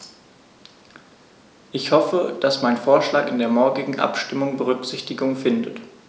Ich hoffe, dass mein Vorschlag in der morgigen Abstimmung Berücksichtigung findet.